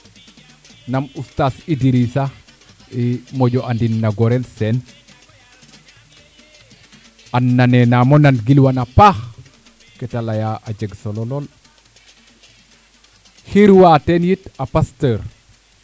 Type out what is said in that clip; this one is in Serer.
nam oustaz Idrissa moƴo andin no Gorel Sene an nanen nangamo nan gilwan a paax kete leya a jeg solo lool xir waa teen it a Pasteur